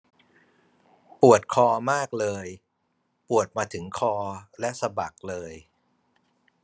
ปวดคอมากเลยปวดมาถึงคอและสะบักเลย